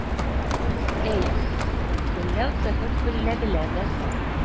Әй, көлләү цехын көлләделәр дә соң